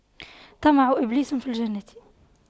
طمع إبليس في الجنة